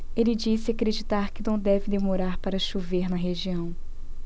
ele disse acreditar que não deve demorar para chover na região